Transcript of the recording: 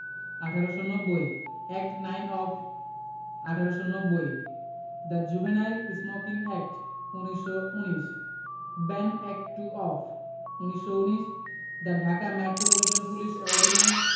১৮৯০ act nine of ১৮৯০ the juvenile smoking act ১৯১৯ Ben. Act two of ১৯১৯ the Dhaka metropolitan police ordinance